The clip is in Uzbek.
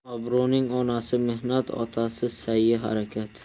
obro'ning onasi mehnat otasi sa'yi harakat